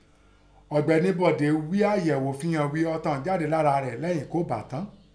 Ọ̀gbẹ́ni Bọ̀dé ghí i àyẹ̀ò fi hàn ghí i ọta ọ̀ún jáde lára rẹ̀ lêyìn kọ́ bà á tán.